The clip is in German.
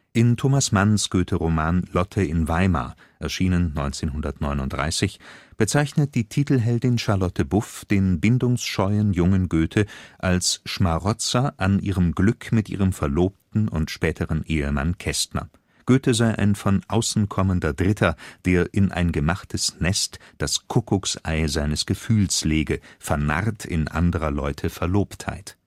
In Thomas Manns Goethe-Roman Lotte in Weimar (erschienen 1939) bezeichnet die Titelheldin Charlotte Buff den bindungsscheuen jungen Goethe als Schmarotzer an ihrem Glück mit ihrem Verlobten und späteren Ehemann Kestner. Goethe sei ein von außen kommender Dritter, der „ in ein gemachtes Nest das Kuckucksei seines Gefühls “lege, vernarrt in anderer Leute Verlobtheit